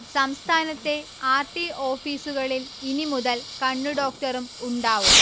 സംസ്ഥാനത്തെ R. T ഓഫീസുകളിൽ ഇനി മുതൽ കണ്ണുഡോക്ടറും ഉണ്ടാവും